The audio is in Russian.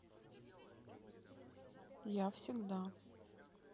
я всегда